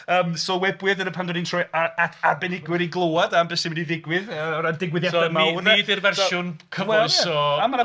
Ymm sylwebwyr dyna pam dan ni'n troi at arbenigwyr i glywed am be sy'n mynd i ddigwydd o ran digwyddiadau mawr... So ni... ni 'di'r fersiwn cyfoes o...